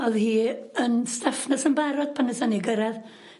...o'dd hi yn steff nyrsyn barod pan nethon ni gyrradd.